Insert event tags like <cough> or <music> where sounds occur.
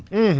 <hesitation> <hesitation>